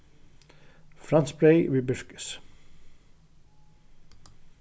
franskbreyð við birkis